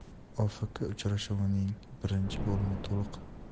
ofkuchrashuvning birinchi bo'limi to'liq